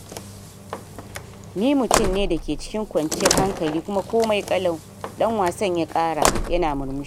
“Ni mutun ne dake cikin kwanciyar hankali kuma komai kalau,” dan wasan ya ƙara, yana murmushi.